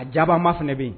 A jaba ma fana bɛ yen